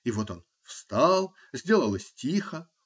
И вот он встал, сделалось тихо